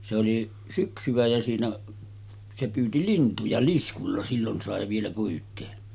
se oli syksyä ja siinä se pyysi lintuja liskulla silloin sai vielä pyytää